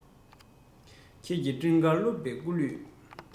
ཁྱེད ཀྱི སྤྲིན དཀར བཀླུབས པའི སྐུ ལུས